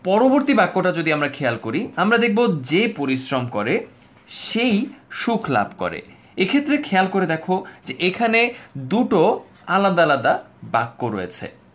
পরবর্তী বাক্যটা যদি আমরা খেয়াল করি আমরা দেখব যে পরিশ্রম করে সেই সুখ লাভ করে এক্ষেত্রে খেয়াল করে দেখো এখানে দুটো আলাদা আলাদা বাক্য রয়েছে